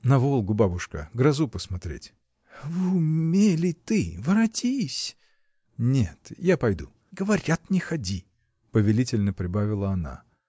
— На Волгу, бабушка, грозу посмотреть. — В уме ли ты? Воротись! — Нет, я пойду. — Говорят, не ходи! — повелительно прибавила она.